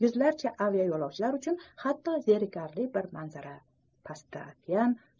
yuzlarcha aviayo'lovchilar uchun hatto zerikarli bir manzara pastda okean